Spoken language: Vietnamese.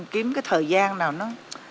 kiếm cái thời gian nào nó